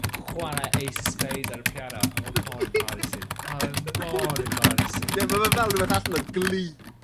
yn chwar'e Ace of Spades ar y piano a ma' mor embarrasing . Ma' fe mor embarrasing. Ie ma' fe fel rwbeth allan o Glee.